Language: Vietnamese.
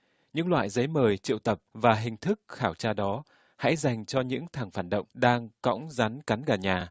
những loại giấy mời triệu tập và hình thức khảo tra đó hãy dành cho những thằng phản động đang cõng rắn cắn gà nhà